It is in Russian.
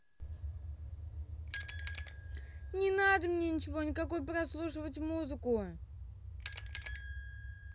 не надо мне ничего никакой прослушивать музыку